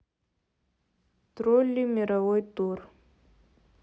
тролли мировой тур